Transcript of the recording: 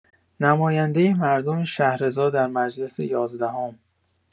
نماینده مردم شهرضا در مجلس یازدهم